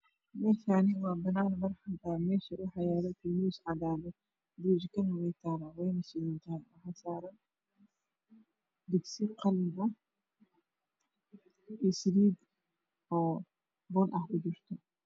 Meshaani waaa banaan baraxad waxa yaalo tar muush cadaan bur jikane wey talaa wen shidantay waxaa saran digsi qalin ah iyo saliid oo bun ah ku jirto